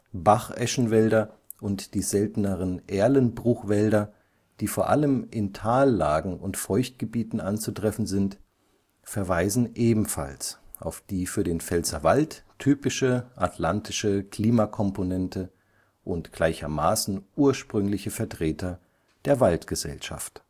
Bacheschenwälder und die selteneren Erlenbruchwälder, die vor allem in Tallagen und Feuchtgebieten anzutreffen sind, verweisen ebenfalls auf die für den Pfälzerwald typische atlantische Klimakomponente (siehe auch Kapitel Klima) und gleichermaßen ursprüngliche Vertreter der Waldgesellschaft